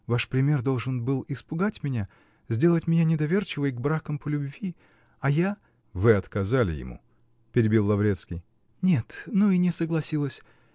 Ваш пример должен был испугать меня, сделать меня недоверчивой к бракам по любви, а я. -- Вы отказали ему? -- перебил Лаврецкий. Нет; но и не согласилась.